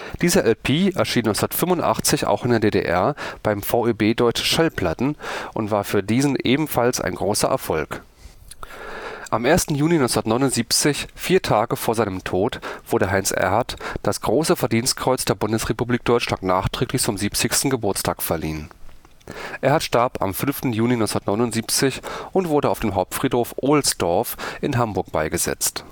Diese LP erschien 1985 auch in der DDR beim VEB Deutsche Schallplatten und war für diesen ebenfalls ein großer Erfolg. Am 1. Juni 1979, vier Tage vor seinem Tod, wurde Heinz Erhardt das Große Verdienstkreuz der Bundesrepublik Deutschland nachträglich zum 70. Geburtstag verliehen. Erhardt starb am 5. Juni 1979 und wurde auf dem Hauptfriedhof Ohlsdorf in Hamburg beigesetzt